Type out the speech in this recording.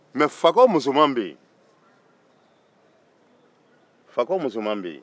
mɛ fakɔ musoman bɛ yen fakɔ musoman bɛ yen